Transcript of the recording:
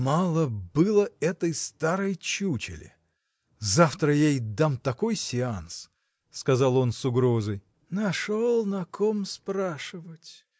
— Мало было этой старой чучеле! Завтра я ей дам такой сеанс. — сказал он с угрозой. — Нашел на ком спрашивать!